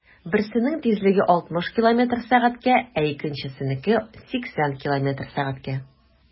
Берсенең тизлеге 60 км/сәг, ә икенчесенеке - 80 км/сәг.